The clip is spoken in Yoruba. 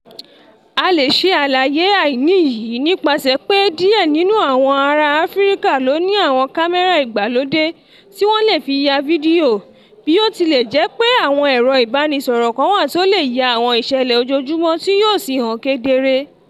A lè ṣàlàyé àìní yií nípasẹ̀ pé díẹ̀ nínú àwọn ará Áfíríkà ló ní àwọn kámérà ìgbàlódé tí wọ́n le fi ya àwọn fídíò, bí ó tilẹ̀ jẹ́ pé àwọn ẹ̀rọ ìbánisọ̀rọ̀ kan wà tó lè ya àwọn ìṣẹ̀lẹ̀ ojoojúmọ tí yóò sì hàn kedere.